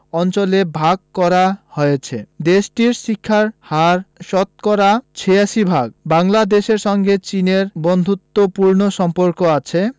অঞ্চলে ভাগ করা হয়েছে দেশটির শিক্ষার হার শতকরা ৮৬ ভাগ বাংলাদেশের সঙ্গে চীনের বন্ধুত্বপূর্ণ সম্পর্ক আছে